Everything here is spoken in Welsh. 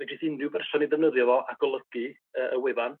fedrith unryw berson ei defnyddio fo a golygu y y wefan